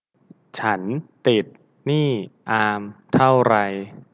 ฉันติดหนี้อามเท่าไร